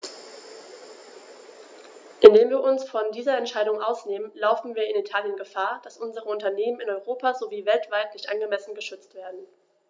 Indem wir uns von dieser Entscheidung ausnehmen, laufen wir in Italien Gefahr, dass unsere Unternehmen in Europa sowie weltweit nicht angemessen geschützt werden.